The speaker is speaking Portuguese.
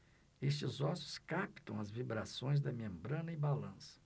estes ossos captam as vibrações da membrana e balançam